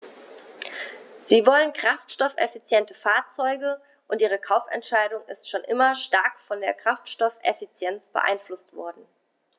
Sie wollen kraftstoffeffiziente Fahrzeuge, und ihre Kaufentscheidung ist schon immer stark von der Kraftstoffeffizienz beeinflusst worden.